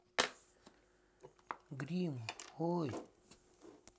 грим ой